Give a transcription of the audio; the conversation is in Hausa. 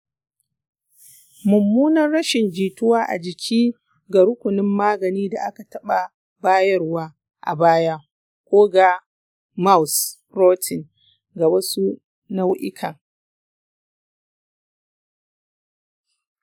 mummunar rashin jituwa a jiki ga rukunin magani da aka taɓa bayarwa a baya ko ga mouse protein ga wasu nau’ikan.